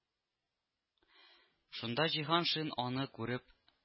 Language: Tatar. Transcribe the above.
Шунда Җиһаншин аны күреп